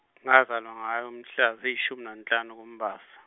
ngazalwa ngayo mhla ziyishumi nahlanu kuMbasa.